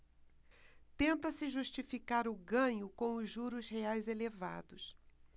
tenta-se justificar o ganho com os juros reais elevados